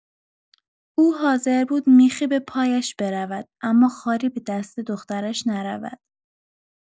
او حاضر بود میخی به پایش برود، اما خاری به دست دخترش نرود.